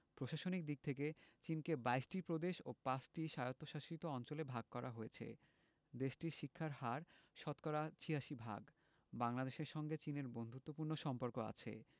প্রশাসনিক দিক থেকে চিনকে ২২ টি প্রদেশ ও ৫ টি স্বায়ত্তশাসিত অঞ্চলে ভাগ করা হয়েছে দেশটির শিক্ষার হার শতকরা ৮৬ ভাগ বাংলাদেশের সঙ্গে চীনের বন্ধুত্বপূর্ণ সম্পর্ক আছে